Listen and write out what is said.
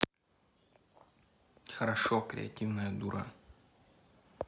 хорошо криативная дура